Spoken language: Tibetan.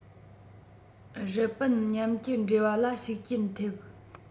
རི པིན མཉམ གྱི འབྲེལ བ ལ ཤུགས རྐྱེན ཐོབ